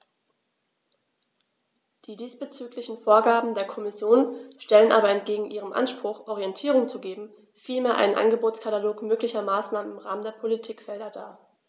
Die diesbezüglichen Vorgaben der Kommission stellen aber entgegen ihrem Anspruch, Orientierung zu geben, vielmehr einen Angebotskatalog möglicher Maßnahmen im Rahmen der Politikfelder dar.